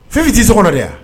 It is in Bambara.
Fifi tɛ so kɔnɔ de wa